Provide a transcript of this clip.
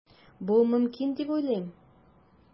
Бу мөмкин дип уйлыйм.